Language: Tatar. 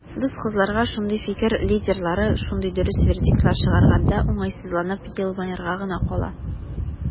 Дус кызларга шундый "фикер лидерлары" шундый дөрес вердиктлар чыгарганда, уңайсызланып елмаерга гына кала.